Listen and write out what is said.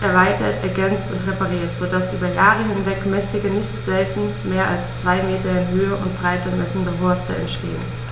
erweitert, ergänzt und repariert, so dass über Jahre hinweg mächtige, nicht selten mehr als zwei Meter in Höhe und Breite messende Horste entstehen.